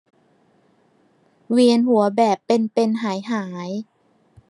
เวียนหัวแบบเป็นเป็นหายหาย